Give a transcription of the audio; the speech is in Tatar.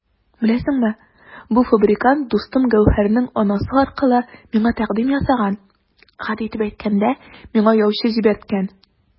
Беләсеңме, бу фабрикант дустым Гәүһәрнең анасы аркылы миңа тәкъдим ясаган, гади итеп әйткәндә, миңа яучы җибәрткән!